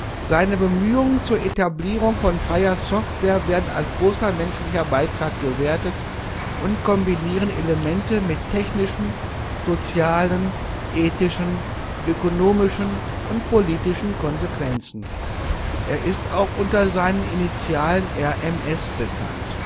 Seine Bemühungen zur Etablieren von Freier Software werden als großer menschlicher Beitrag gewertet und kombinieren Elemente mit technischen, sozialen, ethischen, ökonomischen und politischen Konsequenzen. Er ist auch unter seinen Initialen RMS bekannt